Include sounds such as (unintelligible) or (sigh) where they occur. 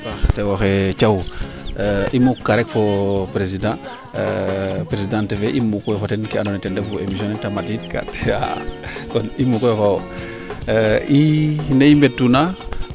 njoko njala a paax tewoxe Thiaw i muuk ka rek fo president presidente fe i muukoyo fo ten ke ando naye ten refu (unintelligible) kon i muukoyo fo wo i ne i mbet tuuna